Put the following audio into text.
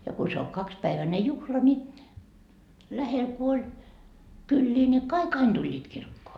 ja kun se on kaksipäiväinen juhla niin lähellä kun oli kyliä niin kaikki aina tulivat kirkkoon